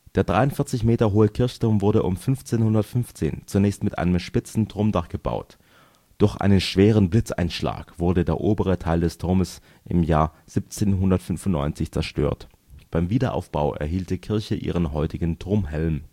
Der 43 m hohe Kirchturm wurde um 1515 zunächst mit einem spitzen Turmdach erbaut. Durch einen schweren Blitzeinschlag wurde der obere Teil des Turmes im Jahr 1795 zerstört. Beim Wiederaufbau erhielt die Kirche ihren heutigen Turmhelm